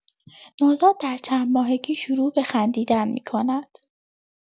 نوزاد در چندماهگی شروع به خندیدن می‌کند.